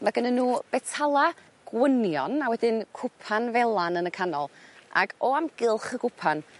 Ma' gynnyn n'w betala gwynion a wedyn cwpan felan yn y canol ag o amgylch y gwpan